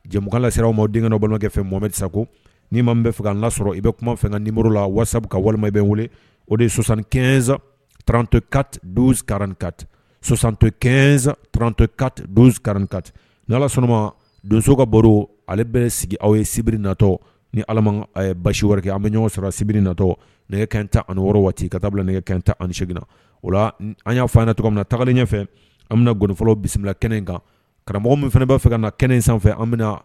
Jɛ la seraraw ma den bamanankɛ fɛ mɔsa ni ma fɛ' lasɔrɔ i bɛ kuma ka lasa ka walima bɛ wele o de ye sonsan kɛz trantɔkarankasantɔz trantɔkaranka ni ala sɔnnaɔnɔma donso ka baro ale bɛ sigi aw ye sibiri natɔ ni ala basi wɛrɛ kɛ an bɛ ɲɔgɔn sɔrɔ sibiri natɔ nɛgɛ kɛ in tan ani wɔɔrɔ waatiti ka taa bila nɛgɛ kɛ tan ani seginna na wala an y'a fɔ na min na tagalen ɲɛfɛ an bɛna g fɔlɔ bisimila kɛnɛ in kan karamɔgɔ min fana b'a fɛ ka na kɛnɛ in sanfɛ an